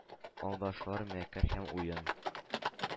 Алдашулар, мәкер һәм уен.